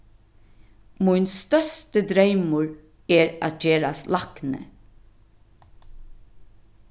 mín størsti dreymur er at gerast lækni